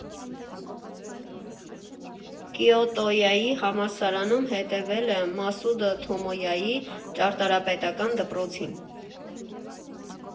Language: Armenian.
Կիոտոյի համալսարանում հետևել է Մասուդա Թոմոյայի ճարտարապետական դպրոցին։